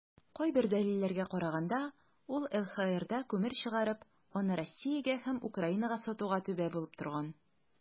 Кайбер дәлилләргә караганда, ул ЛХРда күмер чыгарып, аны Россиягә һәм Украинага сатуга "түбә" булып торган.